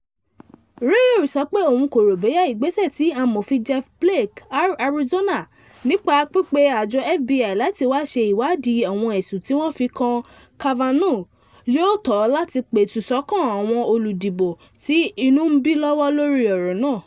Reheer sọ pé òun kò rò bóyá ìgbésẹ̀ tí Amòfin Jeff Flake (R-Arizona) nípa pípè àjọ FBI láti wá ṣe ìwádìí àwọn ẹ̀sùn tí wọ́n fi kan Kavanaugh yóò tó láti pẹ̀tù sọ́kàn àwọn olùdìbò tí inú ń bí lọ́wọ́ lórí ọ̀rọ̀ náà.